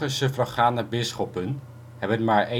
suffragane bisschoppen hebben maar